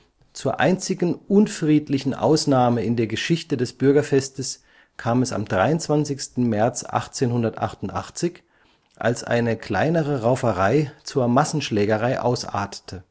Zur einzigen unfriedlichen Ausnahme in der Geschichte des Bürgerfestes kam es am 23. März 1888, als eine kleinere Rauferei zur Massenschlägerei ausartete